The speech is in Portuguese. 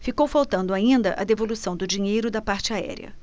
ficou faltando ainda a devolução do dinheiro da parte aérea